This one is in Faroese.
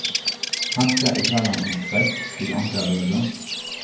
kanska er talan um kvett fyri onkra vøru